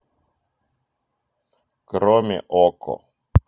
кроме okko